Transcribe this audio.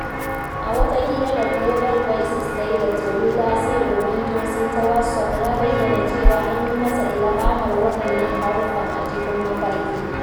A wata hira da Global Voices ta yi da Tolúlàṣẹ Ògúntósìn ta Wasof ya bayyana cewa an yi masa ilhamar waɗannan haruffan a cikin mafarki.